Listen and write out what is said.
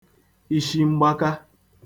ishimgbaka